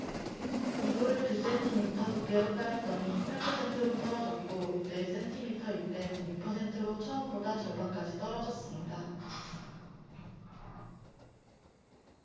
이불을 두 센티미터 두께로 깔았더니 팔 퍼센트로 떨어졌고 네 센티미터일 땐 육 퍼센트로 처음보다 절반까지 떨어졌습니다